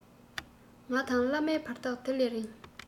ང དང བླ མའི བར ཐག དེ ལས རིང